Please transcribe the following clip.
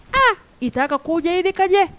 A i t' ka ko ɲɛ i de ka ɲɛ